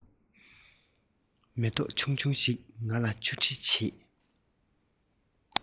མེ ཏོག ཆུང ཆུང ཞིག ང ལ ཅོ འདྲི བྱེད